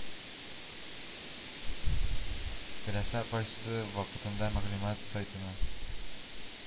Теләсә кайсы вакытында мәгълүмат сайтына